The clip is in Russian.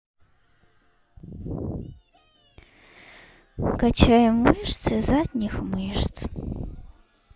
качаем мышцы задних мышц